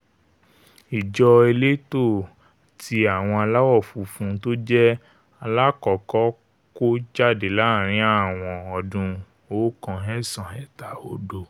Ìjọ Elétò ti àwọn aláwọ̀ funfun tójẹ́ aláàkọ́kọ́ kó jáde làárín àwọn ọdún 1930.